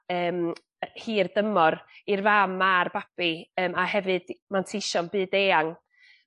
ymm yy hir dymor i'r fam a'r babi yym a hefyd e- manteision byd-eang.